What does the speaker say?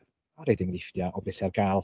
Ma'n roid enghreifftiau o be sy ar gael.